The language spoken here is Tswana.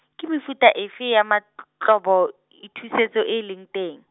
ke mefuta efe ya, ma- t- -tloboithusetso e leng teng?